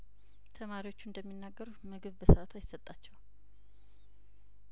ተማሪዎቹ እንደሚናገሩት ምግብ በሰአቱ አይሰጣቸውም